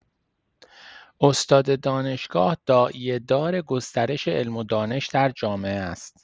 استاد دانشگاه داعیه‌دار گسترش علم و دانش در جامعه است.